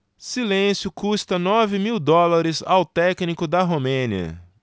silêncio custa nove mil dólares ao técnico da romênia